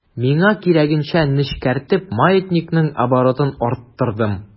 Миңа кирәгенчә нечкәртеп, маятникның оборотын арттырдым.